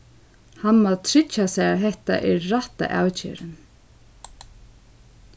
hann má tryggja sær at hetta er rætta avgerðin